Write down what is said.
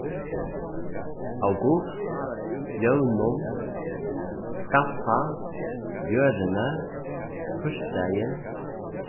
august jøvnum skaffa jørðini týsdagin